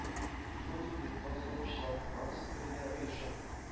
Зур-зур йортлар салучылар, барысы бергә оешып,